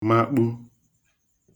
màkpu